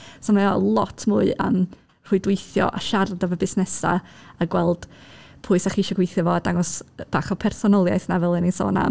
So mae o lot mwy am rhwydweithio a siarad efo busnesau a gweld, pwy 'sech chi isio gweithio efo, dangos bach o personoliaeth 'na fel o'n i'n sôn am.